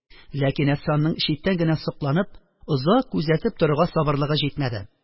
Ләкин Әсфанның читтән генә сокланып, озак күзәтеп торырга сабырлыгы җитмәде